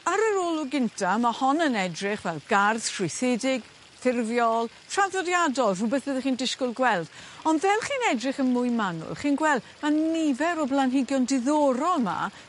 ar yr olwg gynta ma' hon yn edrych fel gardd strwythedig ffurfiol traddodiadol rhwbeth fyddwch chi'n disgwl gweld ond fel chi'n edrych yn mwy manwl chi'n gweld ma' nifer o blanhigion diddorol 'ma